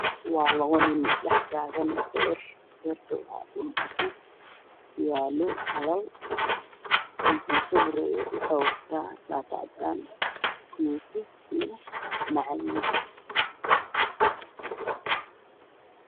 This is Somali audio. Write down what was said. Waa beer ee dhex taagan yihiin laba nin beerta ka horkeedu waa cagaar ninka ugu soo horeeya wuxuu wataa shaacidaan iyo sual madow ninka kalena madow iyo shaaraddan